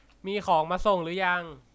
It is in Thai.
มีของมาส่งรึยัง